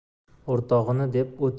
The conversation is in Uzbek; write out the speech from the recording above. o'rtog'ini deb o'tga